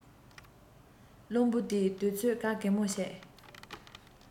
རླུང བུ དེས དུས ཚོད ག གེ མོ ཞིག